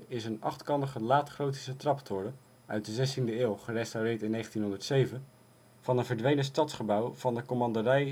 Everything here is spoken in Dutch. is een achtkantige laat-gotische traptoren (16de eeuw, gerestaureerd in 1907) van een verdwenen stadsgebouw van de Commanderij